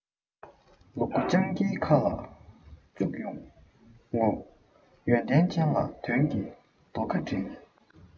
ལུ གུ སྤྱང ཀིའི ཁ ལ བཅུག ཡོང ངོ ཡོན ཏན ཅན ལ དོན གྱི རྡོ ཁ སྒྲིལ